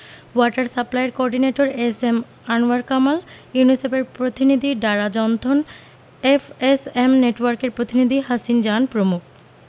water সাপ্লাইর coordinator S M Anwar Kamal ইউনিসেফের প্রতিনিধি ডারা জনথন এফএসএম নেটওয়ার্কের প্রতিনিধি হাসিন জাহান প্রমুখ